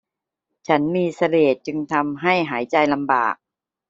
ฉันมีเสลดจึงทำให้หายใจลำบาก